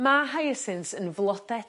Ma' hyacins yn flode